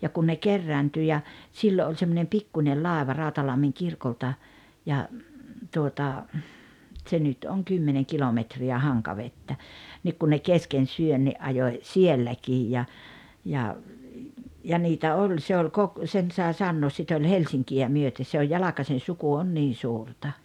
ja kun ne kerääntyi ja silloin oli semmoinen pikkuinen laiva Rautalammin kirkolta ja tuota se nyt on kymmenen kilometriä Hankavettä niin kun ne kesken syönnin ajoi sielläkin ja ja ja niitä oli se oli - sen sai sanoa sitä oli Helsinkiä myöten se on Jalkasen suku on niin suurta